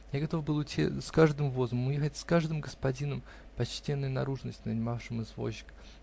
Я готов был уйти с каждым возом, уехать с каждым господином почтенной наружности, нанимавшим извозчика